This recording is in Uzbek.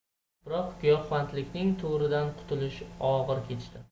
biroq giyohvandlikning to'ridan qutulishi og'ir kechdi